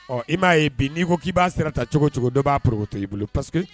Ɔ i m'a ye bi n'i ko k'i b'a sera taa cogo cogo dɔ b'a ptɔ y ii bolo pa